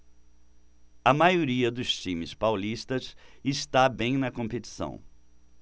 a maioria dos times paulistas está bem na competição